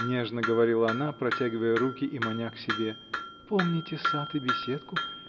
— нежно говорила она, протягивая руки и маня к себе, — помните сад и беседку?